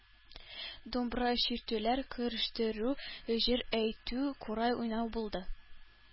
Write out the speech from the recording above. Думбра чиртүләр, көрәштерү, җыр әйтү, курай уйнау булды.